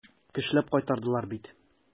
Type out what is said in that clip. Көчләп кайтардылар бит.